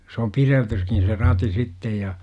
se on pidettykin se rati sitten ja